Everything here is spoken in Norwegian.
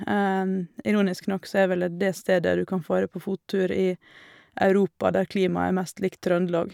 Ironisk nok så er vel det stedet du kan fare på fottur i Europa, der klimaet er mest likt Trøndelag.